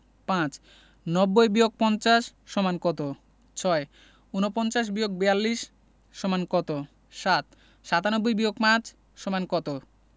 ৫ ৯০-৫০ = কত ৬ ৪৯-৪২ = কত ৭ ৯৭-৫ = কত